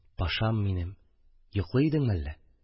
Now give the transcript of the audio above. – пашам минем! йоклый идеңме әллә?